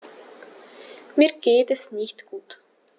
Mir geht es nicht gut.